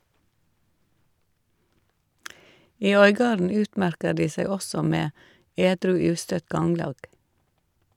I Øygarden utmerker de seg også med edru ustøtt ganglag.